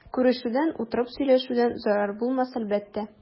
Күрешүдән, утырып сөйләшүдән зарар булмас әлбәттә.